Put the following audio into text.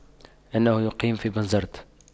إنه يقيم في بنزرت